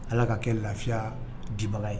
Ala ka kɛ lafiya diba ye